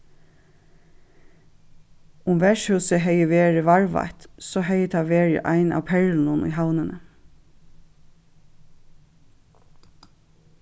um vertshúsið hevði verið varðveitt so hevði tað verið ein av perlunum í havnini